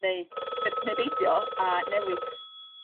neu by- ne' beidio a newid